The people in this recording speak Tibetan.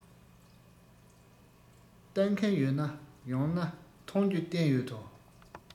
ལྟ མཁན ཡོད ན མ ཡོང ན མཐོང རྒྱུ བསྟན ཡོད དོ